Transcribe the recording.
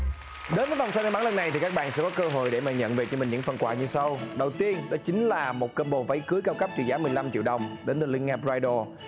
đến với vòng xoay may mắn lần này thì các bạn sẽ có cơ hội để mà nhận về cho mình những phần quà như sau đầu tiên đó chính là một côm bồ váy cưới cao cấp trị giá mười lăm triệu đồng đến từ linh nga bờ roai đồ